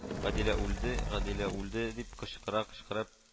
Гадилә үлде, Гадилә үлде! – дип кычкыра-кычкыра